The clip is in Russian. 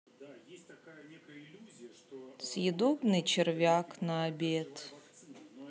съедобный червяк на обед